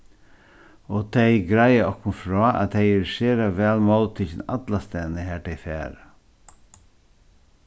og tey greiða okkum frá at tey eru sera væl móttikin allastaðni har tey fara